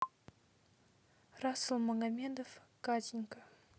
расул магомедов катенька